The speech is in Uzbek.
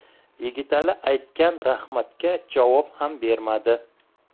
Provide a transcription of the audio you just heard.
yigitali aytgan rahmat ga javob ham bermadi